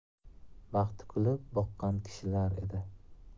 baxti kulib boqqan kishilar edi